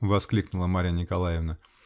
-- воскликнула Марья Николаевна.